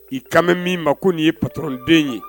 I kan bɛ min ma ko nin ye patron den ye.